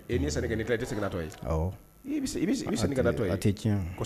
N'i san kɛi tɛ i tɛ se ka to yen i bɛ ka to i a tɛ